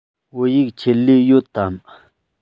བོད ཡིག ཆེད ལས ཡོད དམ